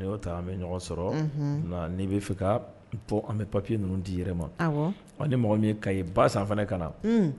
Ni yo ta an bi ɲɔgɔn sɔrɔ . Nga ni siga Unhun to an bi papier ninnu di yɛrɛ ma. Hon ni mɔgɔ min ka ye ba san fana ka na.